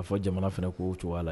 A fɔ jamana fana ko cogoya la